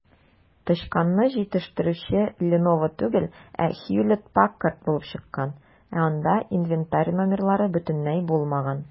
Тычканны җитештерүче "Леново" түгел, ә "Хьюлетт-Паккард" булып чыккан, ә анда инвентарь номерлары бөтенләй булмаган.